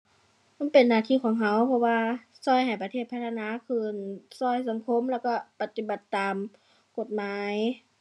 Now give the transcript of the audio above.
มันเป็นหน้าที่ของเราเพราะว่าเราให้ประเทศพัฒนาขึ้น เราสังคม แล้วเราปฏิบัติตามกฎหมาย